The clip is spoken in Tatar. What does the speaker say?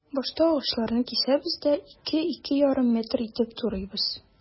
Башта агачларны кисәбез дә, 2-2,5 метр итеп турыйбыз.